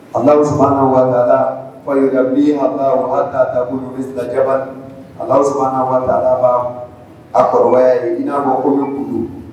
Ala waala fa bi ala waga dakuru bɛ sira caman ala sabanan waala a kɔrɔ i n'a fɔ ko min kulu